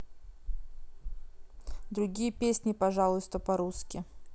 другие песни пожалуйста по русски